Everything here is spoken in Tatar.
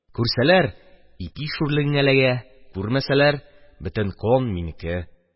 Күрсәләр – ипи шүрлегенә эләгә, күрмәсәләр – бөтен көн минеке.